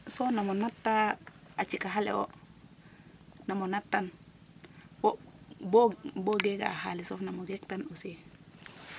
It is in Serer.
So nam o natta a cikax ale wo' nam o nattan wo' bo geeka xaalisof nam o gektan aussi?